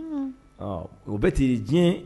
Hum, ɔn, o bɛ tɛ diɲɛ